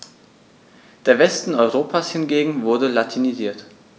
Der Westen Europas hingegen wurde latinisiert.